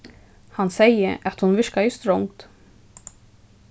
hann segði at hon virkaði strongd